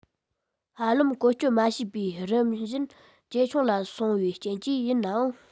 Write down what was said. ཧ ལམ བཀོལ སྤྱོད མ བྱས པས རིམ བཞིན ཇེ ཆུང ལ སོང བའི རྐྱེན གྱིས ཡིན ནའང